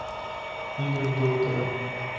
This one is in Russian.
игры в доктора